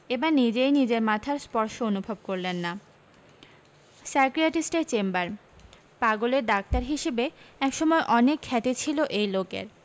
এবার নিজেই নিজের মাথার স্পর্শ অনুভব করলেন না সাইকিয়াট্রিস্টের চেম্বার পাগলের ডাক্তার হিসেবে একসময় অনেক খ্যাতি ছিল এই লোকের